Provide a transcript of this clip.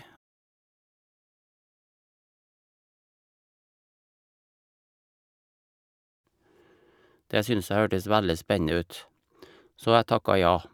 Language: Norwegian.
Det syns jeg hørtes veldig spennende ut, så jeg takka ja.